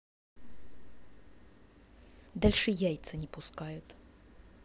дальше яйца не пускают